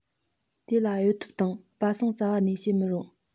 དེ ལ གཡོལ ཐབས དང སྦ གསང རྩ བ ནས བྱེད མི རུང